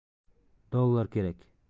dollar kerak